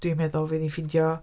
Dwi'n meddwl fydd hi'n ffeindio